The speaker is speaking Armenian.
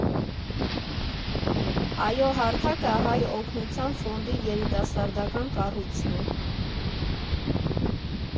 ԱՅՈ հարթակը Հայ Օգնության Ֆոնդի երիտասարդական կառույցն է։